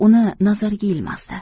uni nazariga ilmasdi